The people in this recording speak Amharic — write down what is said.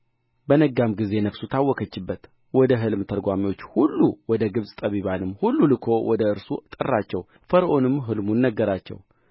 በነጋም ጊዜ ነፍሱ ታወከችበት ወደ ሕልም ተርጓሚዎች ሁሉ ወደ ግብፅ ጠቢባንም ሁሉ ልኮ ወደ እርሱ ጠራቸው ፈርዖንም ሕልሙን ነገራቸው